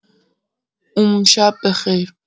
اوم شب‌بخیر.